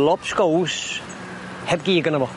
Lobsgows heb gig yno fo,